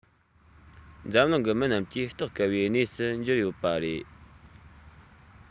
འཛམ གླིང གི མི རྣམས ཀྱིས རྟོགས དཀའ བའི གནས སུ གྱུར ཡོད པ རེད